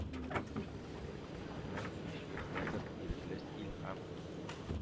Мең биш йөз метр, ирекле стиль һәм